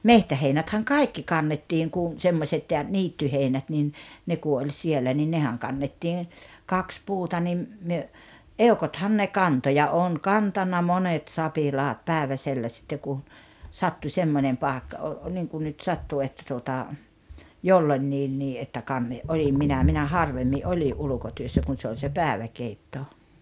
metsäheinäthän kaikki kannettiin kun semmoiset ja niittyheinät niin ne kun oli siellä niin nehän kannettiin kaksi puuta niin me eukothan ne kantoi ja olen kantanut monet sapilaat päiväsellä sitten kun sattui semmoinen paikka - niin kuin nyt sattui että tuota jolloinkin että - olin minä minä harvemmin olin ulkotyössä kun se oli se päiväkeitto